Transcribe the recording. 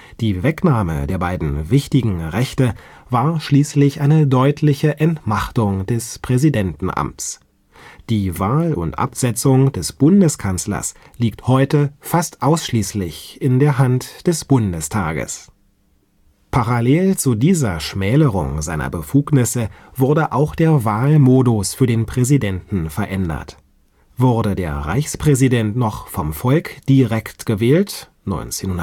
Die Wegnahme der beiden wichtigen Rechte war schließlich eine deutliche Entmachtung des Präsidentenamts. Die Wahl und Absetzung des Bundeskanzlers liegt heute fast ausschließlich in der Hand des Bundestages. Parallel zu dieser Schmälerung seiner Befugnisse wurde auch der Wahlmodus für den Präsidenten verändert: Wurde der Reichspräsident noch vom Volk direkt gewählt (1925